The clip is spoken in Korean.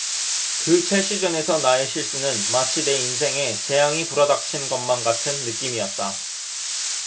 그 첼시 전에서 나의 실수는 마치 내 인생에 재앙이 불어닥친 것만 같은 느낌이었다